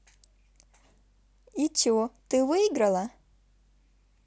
и че ты выиграла